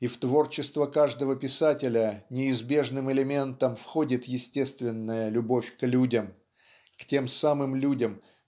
и в творчество каждого писателя неизбежным элементом входит естественная любовь к людям к тем самым людям